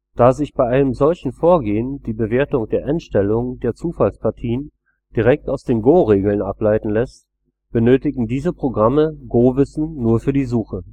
Da sich bei einem solchen Vorgehen die Bewertung der Endstellungen der Zufallspartien direkt aus den Goregeln ableiten lässt, benötigen diese Programme Gowissen nur für die Suche